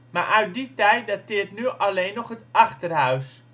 maar uit die tijd dateert nu alleen nog het achterhuis